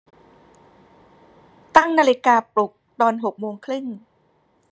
ตั้งนาฬิกาปลุกตอนหกโมงครึ่ง